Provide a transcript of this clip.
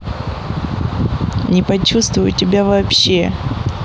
не почувствую тебя вообще